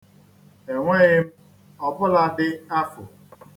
Enweghị m ọ bụladị afụ.